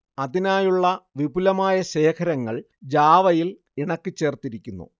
അതിനായുള്ള വിപുലമായ ശേഖരങ്ങൾ ജാവയിൽ ഇണക്കിച്ചേർത്തിരിക്കുന്നു